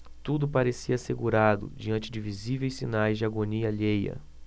tudo parecia assegurado diante de visíveis sinais de agonia alheia